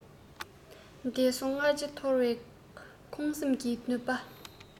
འདས སོང བསྔགས བརྗོད ཐོར བའི ཁེངས སེམས ཀྱི འདུན པ